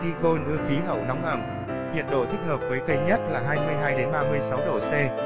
cây hoa tigon ưa khí hậu nóng ẩm nhiệt độ thích hợp với cây nhất là độ c